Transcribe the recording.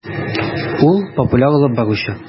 Ул - популяр алып баручы.